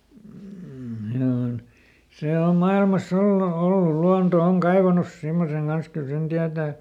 mm siinä on se on maailmassa ollut oli luonto on kaivanut semmoisen kanssa kyllä sen tietää